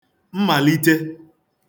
mmàlite